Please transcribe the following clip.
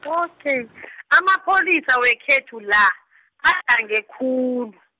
okay amapholisa wekhethu la, adlange khulu.